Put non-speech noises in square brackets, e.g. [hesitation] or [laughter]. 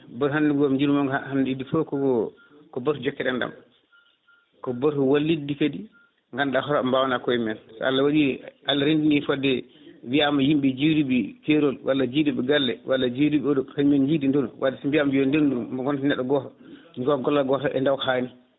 baatu hande ngo * hande idi foof ko ko baatu jokkere enɗam ko baatu wallidde kadi gandanɗa hoorema ɓe mbawana koyemumen Alla waɗi Allah rendini fodde wiyama yimɓe jiduɓe keerol walla jiiduɓe galle walla jiduɓe [hesitation] kañumen jiidi doonu wadde so mbiyama yo dendu ɓe gonta neɗɗo goto jogo gollal gotal e dawko hanni